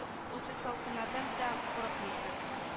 О сез салкыннардан да курыкмыйсыз